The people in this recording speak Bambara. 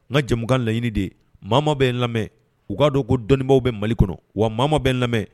N ka jɛmukan laɲini de mama bɛ n lamɛn u b'a don ko dɔnniibaa bɛ mali kɔnɔ wa mama bɛ n lamɛn